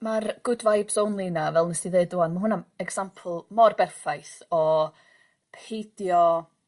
ma'r good vibes only 'na fel nest ti ddeud rŵan ma' hwnna'n example* mor berffaith o peidio